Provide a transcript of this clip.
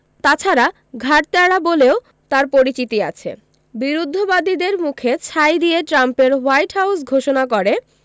তা ছাড়া ঘাড় ত্যাড়া বলেও তাঁর পরিচিতি আছে বিরুদ্ধবাদীদের মুখে ছাই দিয়ে ট্রাম্পের হোয়াইট হাউস ঘোষণা করে